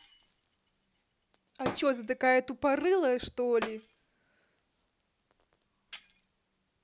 а че ты такая тупорылая что ли